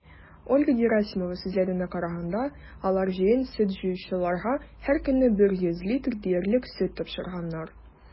Ольга Герасимова сүзләренә караганда, алар җәен сөт җыючыларга һәркөнне 100 литр диярлек сөт тапшырганнар.